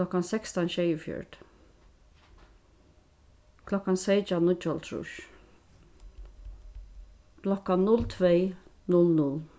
klokkan sekstan sjeyogfjøruti klokkan seytjan níggjuoghálvtrýss klokkan null tvey null null